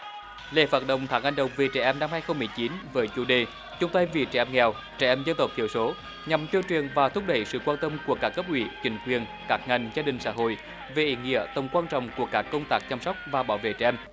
lễ phát động tháng hành động vì trẻ em năm hai không mười chín với chủ đề chung tay vì trẻ em nghèo trẻ em dân tộc thiểu số nhằm tuyên truyền và thúc đẩy sự quan tâm của các cấp ủy chính quyền các ngành gia đình xã hội về ý nghĩa tầm quan trọng của các công tác chăm sóc và bảo vệ trẻ em